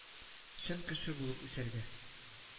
Чын кеше булып үсәргә